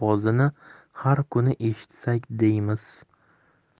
ovozini har kuni eshitsak deymiz